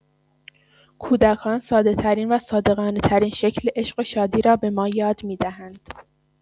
کودکان ساده‌‌ترین و صادقانه‌ترین شکل عشق و شادی را به ما یاد می‌دهند.